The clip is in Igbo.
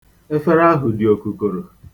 Efere ahụ dị okukoro.